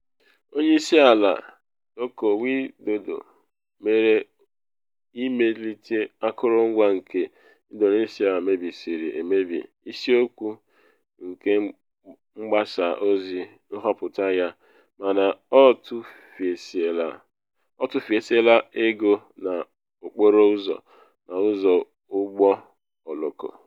Onye isi ala Joko Widodo mere imelite akụrụngwa nke Indonesia mebisiri emebi isiokwu nke mgbasa ozi nhọpụta ya, mana o tufusiela ego n’okporo ụzọ na ụzọ ụgbọ oloko.